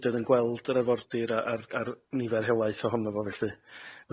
hyd yn yn gweld yr arfordir a- ar ar nifer helaeth ohono fo felly.